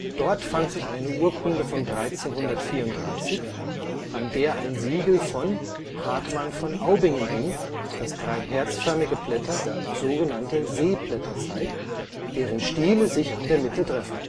Dort fand sich eine Urkunde von 1334, an der ein Siegel von „ Hartmann von Aubingen “hing, das drei herzförmige Blätter, sogenannte Seeblätter zeigt, deren Stiele sich in der Mitte treffen